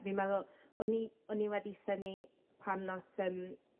Fi'n meddwl o'n i o'n i wedi synnu pan nath yym